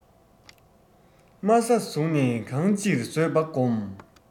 དམའ ས བཟུང ནས གང ཅིར བཟོད པ སྒོམ